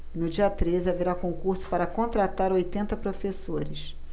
no dia treze haverá concurso para contratar oitenta professores